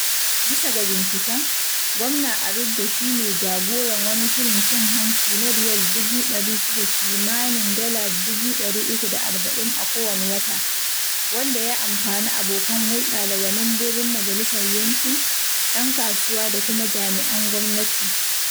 Bisa ga binciken, Gwamna Arruda shi ne jagoran wani shirin cin hanci na R$ 600,000 (kimanin $340,000) a kowane wata, wanda ya amfani abokan hulɗa daga mambobin majalisar yankin, ‘yan kasuwa, da kuma jami’an gwamnati.